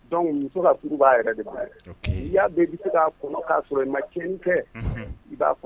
Dɔnkuc muso ka furu b'a yɛrɛ de bi y'a bɛ' se k'a kɔnɔ k'a sɔrɔ i ma tiɲɛnin kɛ i b'a fɔ